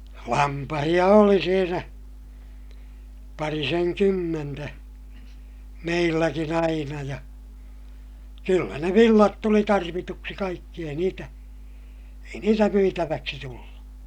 lampaita oli siinä parisenkymmentä meilläkin aina ja kyllä ne villat tuli tarvituksi kaikki ei niitä ei niitä myytäväksi tullut